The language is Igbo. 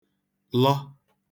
-lọ